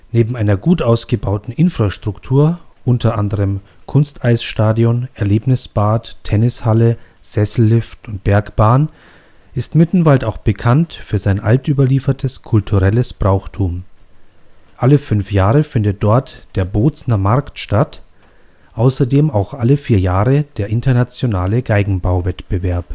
Neben einer gut ausgebauten Infrastruktur (u.a. Kunsteisstadion, Erlebnisbad, Tennishalle, Sessellift, Bergbahn) ist Mittenwald auch bekannt für sein altüberliefertes kulturelles Brauchtum. Alle fünf Jahre findet dort der „ Bozner Markt “statt, außerdem auch alle vier Jahre der Internationale Geigenbauwettbewerb